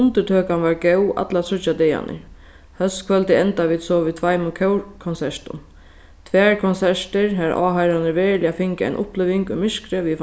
undirtøkan var góð allar tríggjar dagarnar hóskvøldið endaðu vit so við tveimum kórkonsertum tvær konsertir har áhoyrararnir veruliga fingu eina uppliving í myrkri við